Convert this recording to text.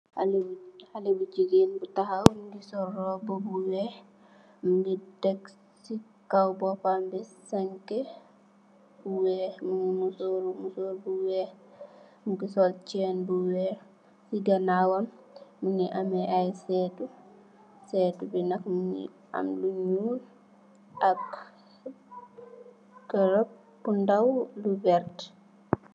Haleh bu haleh bu gigain bu takhaw mungy sol rohba bu wekh, mungy tek cii kaw bopam bii sankeh bu wekh, mungy musorru musorr bu wekh, mungy sol chaine bu wekh, cii ganawam mungy ameh aiiy sehtu, sehtu bii nak mungy am lu njull ak garab bu ndaw lu vertue.